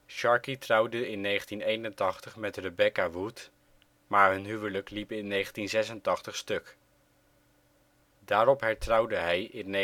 Sharkey trouwde in 1981 met Rebecca Wood, maar hun huwelijk liep in 1986 stuk. Daarop hertrouwde hij in